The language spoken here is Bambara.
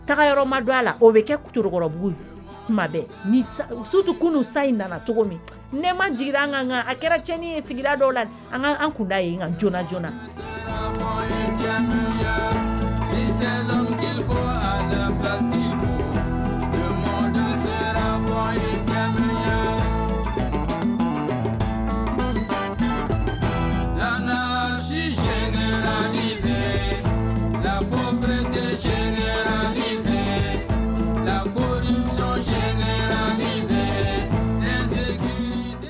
Taga yɔrɔma don a la o bɛ kɛ toorokɔrɔbugu ye tuma bɛɛ ni sutu kunun sa in nana cogo min ne ma jigin an ka kan a kɛracin sigira dɔw la an an kunda ye j joona la seraya lasise lakɔbkɛ cɛ la nisɔnsese